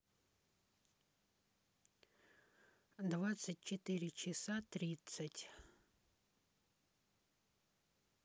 двадцать четыре часа тридцать